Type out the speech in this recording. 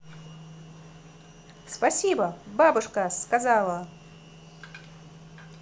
спасибо бабушка сказала